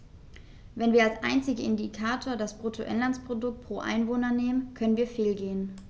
Wenn wir als einzigen Indikator das Bruttoinlandsprodukt pro Einwohner nehmen, können wir fehlgehen.